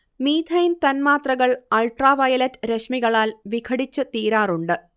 methane തന്മാത്രകൾ ultraviolet രശ്മികളാൽ വിഘടിച്ച് തീരാറുണ്ട്